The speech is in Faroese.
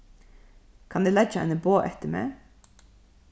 kann eg leggja eini boð eftir meg